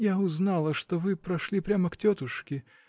-- Я узнала, что вы прошли прямо к тетушке